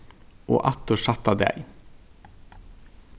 og aftur sætta dagin